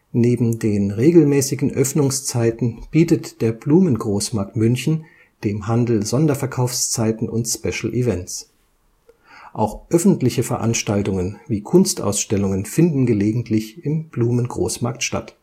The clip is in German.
Neben den regelmäßigen Öffnungszeiten bietet der Blumengroßmarkt München dem Handel Sonderverkaufszeiten und Special Events. Auch öffentliche Veranstaltungen wie Kunstausstellungen finden gelegentlich im Blumengroßmarkt statt